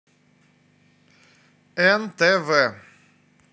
эн тэ вэ